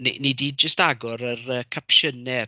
Ni ni 'di jyst agor yr yy capsiynau.